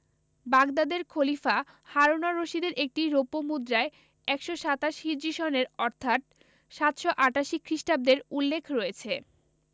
বাগদাদের খলিফা Harun ar রশিদের একটি রৌপ্য মুদ্রায় ১২৭ হিজরি সনের অর্থাৎ ৭৮৮ খ্রিটাব্দের উল্লেখ রয়েছে